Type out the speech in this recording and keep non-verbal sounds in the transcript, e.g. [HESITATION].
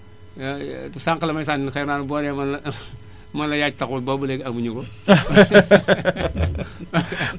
[HESITATION] sànq la may sànni xeer naan ma boo nee mane la [LAUGHS] mane la yaa ci taxawul boobu ba léegi amaguñu ko [LAUGHS]